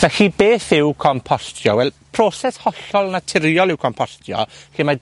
Felly, beth yw compostio? Wel, proses hollol naturiol yw compostio, lle ma'